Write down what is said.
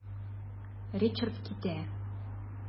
Ричард китә.